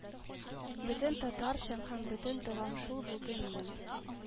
Бөтен татарчам һәм бөтен догам шул булды минем